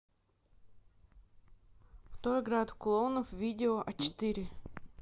кто играет клоунов в видео а четыре